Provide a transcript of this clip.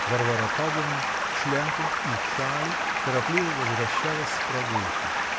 Варвара Павловна, в шляпе и шали, торопливо возвращалась с прогулки.